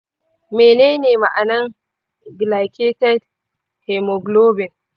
mene ne ma'anan glycated haemoglobin?